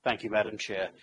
Thank you, Madam Chair.